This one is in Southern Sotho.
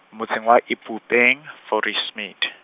motseng wa Ipopeng, Fourie Smith.